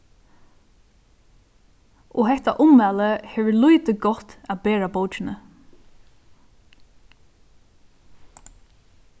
og hetta ummælið hevur lítið gott at bera bókini